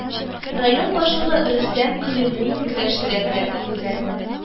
Район башлыгы Рөстәм Кәлимуллин көрәштерә белә егетләрне